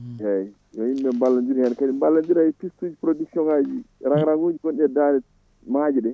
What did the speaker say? eyyi yo yimɓe mballodir hen kadi ballodira surtout production ngaji ɗi rang rang uji gonɗi e Dande Maajeɗe